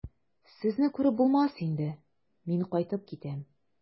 Сезне күреп булмас инде, мин кайтып китәм.